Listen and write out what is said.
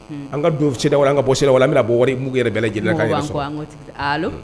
An ka don CEDEAO la an ka bɔ CEDEAO la an bɛna bɔ wari mugu yɛrɛ bɛɛ lajɛlen na